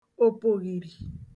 òpòghìrì